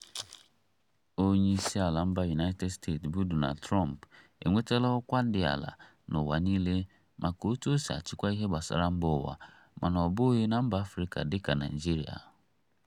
Onyeisiala mba United States bụ Donald Trump enwetala ọkwa dị ala n'ụwa niile maka etu o si achịkwa ihe gbasara mba ụwa — mana ọ bụghị na mba Afrịka dịka Naịjirịa.